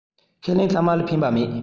ཁས ལེན ཚང མར ལ ཕན པ མེད